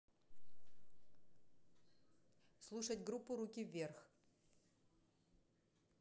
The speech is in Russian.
слушать группу руки вверх